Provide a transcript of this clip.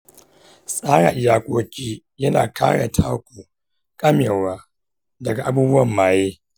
tsara iyakoki yana kare taku kamewar daga abubuwan maye.